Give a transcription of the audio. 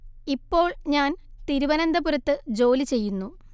ഇപ്പോൾ ഞാൻ തിരുവനന്തപുരത്ത് ജോലി ചെയ്യുന്നു